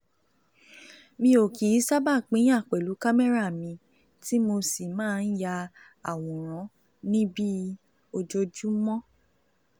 Mi ò kìí sábà pínyà pẹ̀lú kámẹ́rà mi tí mo sì máa ń ya àwòrán ní bíi ojoojúmọ́.